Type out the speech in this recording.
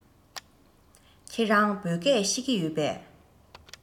ཁྱེད རང བོད སྐད ཤེས ཀྱི ཡོད པས